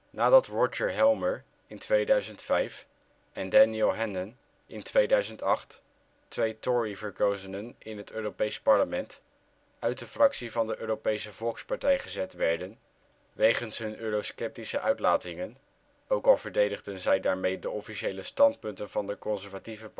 Nadat Roger Helmer (in 2005) en Daniel Hannan (in 2008), twee Tory-verkozenen in het Europees Parlement, uit de fractie van de Europese Volkspartij gezet werden wegens hun eurosceptische uitlatingen, ook al verdedigden zij daarmee de officiële standpunten van de Conservative